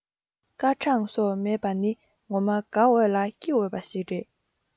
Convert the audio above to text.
སྐར གྲངས སོགས མེད པ ནི ངོ མ དགའ འོས ལ སྐྱིད འོས པ ཞིག རེད